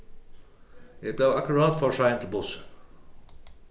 eg bleiv akkurát for sein til bussin